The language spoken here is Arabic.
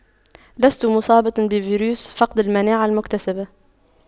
لست مصابة بفيروس فقد المناعة المكتسبة